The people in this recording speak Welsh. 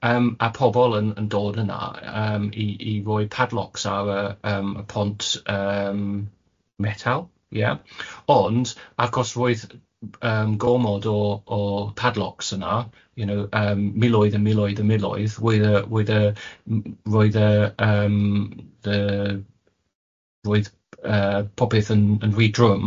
Yym a pobl yn yn dod yna yym i i roi padlocks ar y yym y pont yym metal, ie ond achos roedd yym gomod o o padlocks yna you know yym miloedd a miloedd a miloedd roedd y roedd y yym roedd yy popeth yn yn rhy drwm